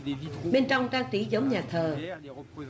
bên trong trang trí giống nhà thờ